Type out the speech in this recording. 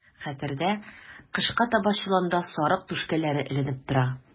Хәтердә, кышка таба чоланда сарык түшкәләре эленеп тора.